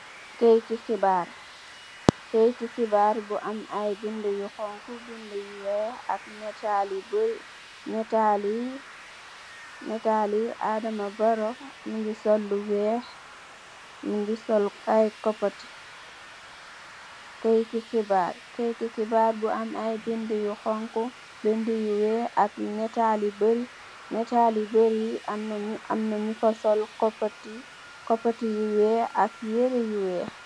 kaity hebarr yu am beda yu honhu, yu weyh ak natal yu barre. Natal yi Adama Barrow mugi sol lu weyh mu nge sol ai kopati. kaity hebarr keity hebarr yu am beda yu honhu, beda yu weyh ak natal yu barre am na ngu fasol kupati yu weyh ak yehre yu weyh